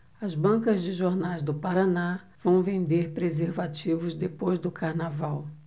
as bancas de jornais do paraná vão vender preservativos depois do carnaval